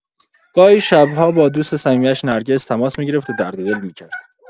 گاهی شب‌ها با دوست صمیمی‌اش، نرگس، تماس می‌گرفت و درد دل می‌کرد.